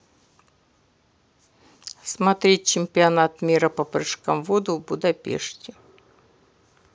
смотреть чемпионат мира по прыжкам в воду в будапеште